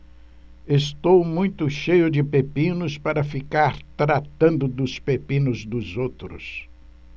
estou muito cheio de pepinos para ficar tratando dos pepinos dos outros